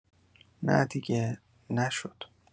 نه دیگه، نشد!